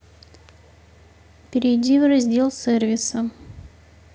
перейди в раздел сервиса